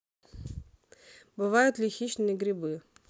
бывают ли хищные грибы